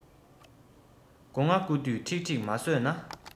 སྒོ ང རྐུ དུས ཁྲིག ཁྲིག མ ཟོས ན